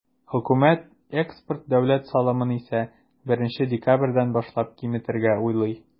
Хөкүмәт экспорт дәүләт салымын исә, 1 декабрьдән башлап киметергә уйлый.